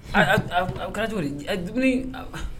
Aa a kɛra cogo dum